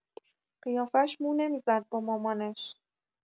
قیافش مو نمی‌زد با مامانش